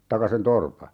tai sen torpan